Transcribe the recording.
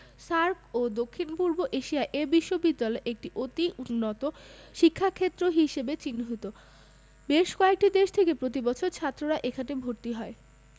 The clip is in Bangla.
SAARC ও দক্ষিণ পূর্ব এশিয়ায় এ বিশ্ববিদ্যালয় একটি অতি উন্নত শিক্ষাক্ষেত্র হিসেবে চিহ্নিত বেশ কয়েকটি দেশ থেকে প্রতি বছর ছাত্ররা এখানে ভর্তি হয়